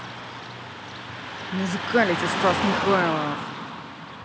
музыкалити стас михайлов